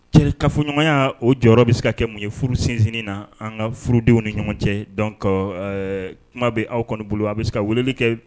Cɛ'a fɔɲɔgɔnya o jɔyɔrɔ bɛ se ka kɛ mun ye furu sinsinsin na an ka furudenw ni ɲɔgɔn cɛ dɔnku kuma bɛ aw kɔni bolo a bɛ se ka weleli kɛ